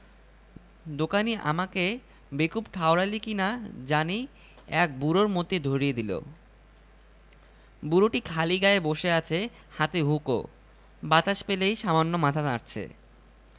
তিনটি অামার নিজের অন্যটি ধার করা গিয়ে দেখি কুম্ভমেলার ভিড় ঢাকা শহরের অর্ধেক লোক এসে উপস্থিত মাটির হাঁড়িকুরি মাই দেখছে তাই তার কিনে ফেলছে